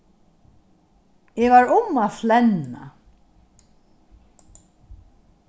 eg var um at flenna